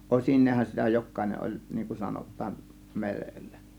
osineenhan sitä jokainen oli niin kuin sanotaan merellä